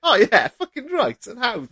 O ie ffycin reit yn hawdd.